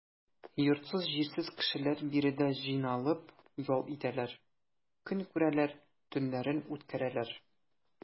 Йортсыз-җирсез кешеләр биредә җыйналып ял итәләр, көн күрәләр, төннәрен үткәрәләр.